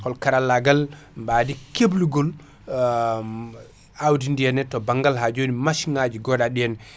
hol karallagal baadi keblugol awdidi henna to baggal ha jooni massiŋaji goɗaɗi henna